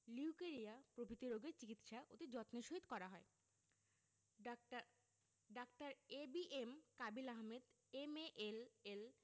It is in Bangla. লিউকেরিয়া প্রভৃতি রোগের চিকিৎসা অতি যত্নের সহিত করা হয় ডাঃ ডাঃ A B M Kabil Ahmed M A L L